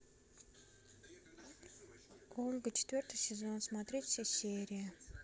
ольга четвертый сезон смотреть все серии